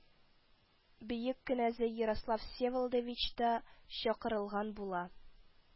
Бөек кенәзе ярослав всеволодович та чакырылган була